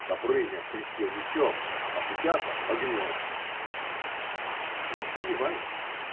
Добрыня крестил мечом, а Путята огнем. – Не сомневаюсь.